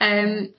Yym